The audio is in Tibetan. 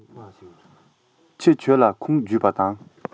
ཁྱི ཁྱོད ལ ཁུངས བརྒྱུད པ དང